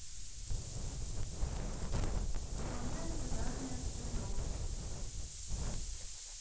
выполняем задания в standoff